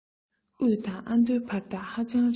དབུས དང ཨ མདོའི བར ཐག ཧ ཅང རིང